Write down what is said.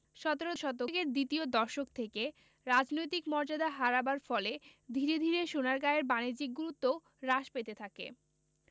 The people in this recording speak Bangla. সতেরো শতকের দ্বিতীয় দশক থেকে রাজনৈতিক মর্যাদা হারাবার ফলে ধীরে ধীরে সোনারগাঁয়ের বাণিজ্যিক গুরুত্বও হ্রাস পেতে থাকে